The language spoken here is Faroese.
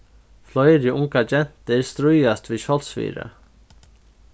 fleiri ungar gentur stríðast við sjálvsvirði